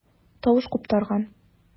Тавыш куптарган.